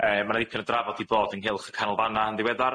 Yym, ma' 'na dipyn o drafod 'di bod ynghylch y canolfanna yn ddiweddar.